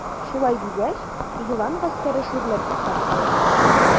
Шулай дигәч, елан гаскәре шүрләп туктап калды.